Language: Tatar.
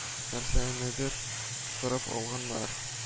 Нәрсәнедер сырып алганнар